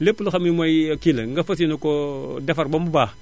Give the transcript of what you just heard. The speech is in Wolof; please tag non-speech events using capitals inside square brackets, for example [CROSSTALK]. lépp loo xam ne mooy [HESITATION] kii la nga fas yéene koo defar ba mu baax